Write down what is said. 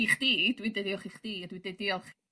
i chdi dwi'n deu diolch i chdi y dwi deu diolch